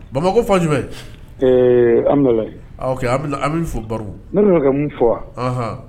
Bamakɔ fa jumɛn an bɛ fɔ baro fɔɔn